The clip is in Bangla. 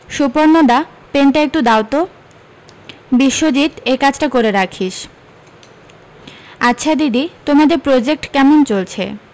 সুপর্নদা পেনটা একটু দাও তো বিশ্বজিত এই কাজটা করে রাখিস আচ্ছা দিদি তোমাদের প্রোজেক্ট কেমন চলছে